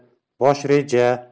bosh reja